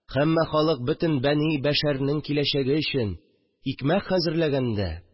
Һәммә халык бөтен бәни бәшәрнең киләчәге өчен икмәк хәзерләгәндә